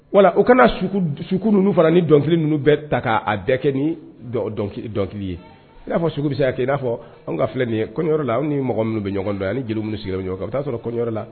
Wala u kana sugu ninnu fana ni dɔnkili ninnu bɛ ta k'a dɛ kɛ ni dɔnkili ye i'a fɔ bɛ se ka'i'a fɔ ka filɛ ye kɔɲɔ la an ni mɔgɔ minnu bɛ ɲɔgɔn dɔn yan jeliw minnu sigi ɲɔgɔn kan a bɛ'a sɔrɔn la